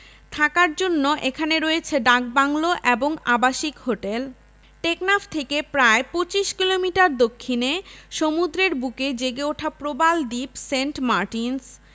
থাকার জন্য এখানে রয়েছে ডাকবাংলো এবং আবাসিক হোটেল টেকনাফ থেকে প্রায় ২৫ কিলোমিটার দক্ষিণে সমুদ্রের বুকে জেগে উঠা প্রবাল দ্বীপ সেন্ট মার্টিনস